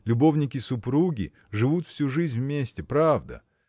Любовники-супруги живут всю жизнь вместе – правда!